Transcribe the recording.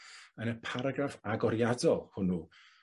yn y paragraff agoriadol hwnnw